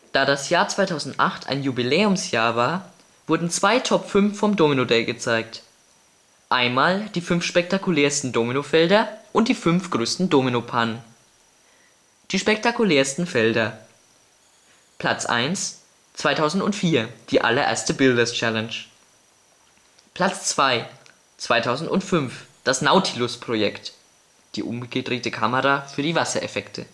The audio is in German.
das Jahr 2008 ein Jubiläumsjahr war, wurden zwei Top 5 vom Domino Day gezeigt. Einmal die 5 spektakulärsten Dominofelder und die 5 größten Dominopannen. Die spektakulärsten Felder: Platz 1: 2004: Die allererste Builders-Challenge Platz 2: 2005: Das Nautilus Projekt (die umgedrehte Kamera für die Wassereffekte